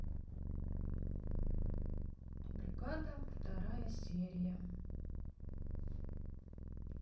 бригада вторая серия